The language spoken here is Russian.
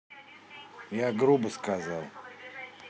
я грубо сказал